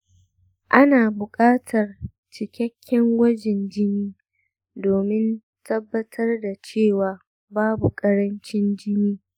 ana buƙatar cikakken gwajin jini domin tabbatar da cewa babu ƙarancin jini.